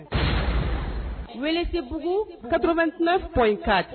Welesebugu 89.4